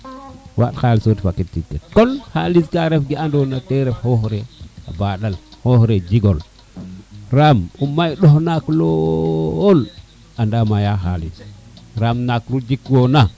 waaɗ xalis na wagiɗ ka tig ke kon xalis ka ref ke ando na te ref xoox le a baɗale xoox le jegole rem o may ɗo naaak lool anda maya xalis ram naak lu jik wona